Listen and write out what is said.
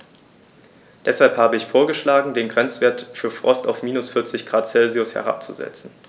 Deshalb habe ich vorgeschlagen, den Grenzwert für Frost auf -40 ºC herabzusetzen.